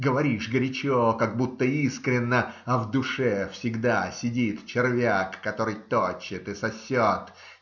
Говоришь горячо, как будто искренно, а в душе всегда сидит червяк, который точит и сосет.